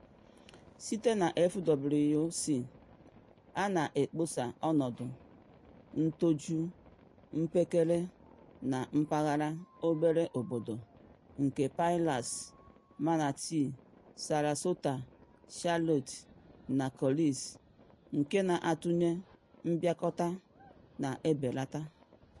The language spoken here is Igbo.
Site na FWC, a na ekpesa ọnọdụ ntoju mpekere na mpaghara obere obodo nke Pinellas, Manatee, Sarasota, Charlotte na Collies - nke na atụnye mbịakọta na ebelata.